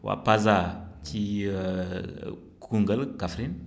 waa Paza ci Koungheul Kaffrine